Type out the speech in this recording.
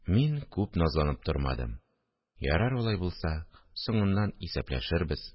Мин күп назланып тормадым: – Ярар алай булса, соңыннан исәпләшербез